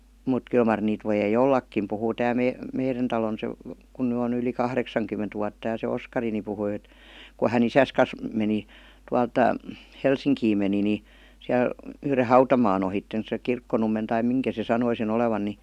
mutta kyllä mar niitä voi ollakin puhuu tämä - meidän talon se - kun nyt on yli kahdeksankymmentä vuotta ja se Oskari niin puhui että kun hän isänsä kanssa meni tuolta Helsinkiin meni niin siellä yhden hautamaan ohitse se Kirkkonummen tai minkä se sanoi sen olevan niin